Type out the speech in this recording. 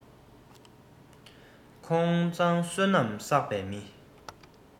ཁོང མཛངས བསོད ནམས བསགས པའི མི